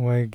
Og jeg,